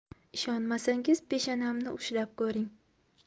ishonmasangiz peshanamni ushlab ko'ring